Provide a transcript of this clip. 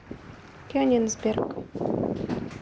кенигсберг